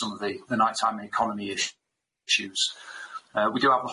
some of the the night time economy issues yy we do have